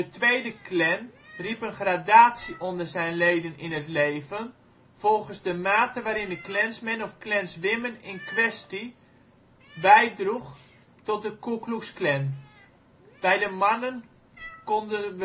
tweede Klan riep een gradatie onder zijn leden in het leven volgens de mate waarin de Klansman of Klanswoman in kwestie bijdroeg tot de Ku Klux Klan. Bij de mannen konden